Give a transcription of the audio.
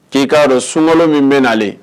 K'i'a dɔn sungɔlo min bɛ nalen